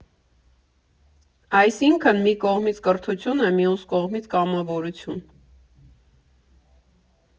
Այսինքն՝ մի կողմից կրթություն է, մյուս կողմից՝ կամավորություն։